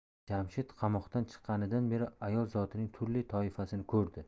jamshid qamoqdan chiqqanidan beri ayol zotining turli toifasini ko'rdi